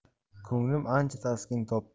ko'nglim ancha taskin topdi